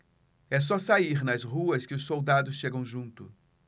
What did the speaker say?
é só sair nas ruas que os soldados chegam junto